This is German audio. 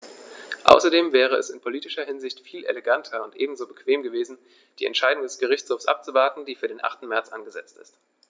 Außerdem wäre es in politischer Hinsicht viel eleganter und ebenso bequem gewesen, die Entscheidung des Gerichtshofs abzuwarten, die für den 8. März angesetzt ist.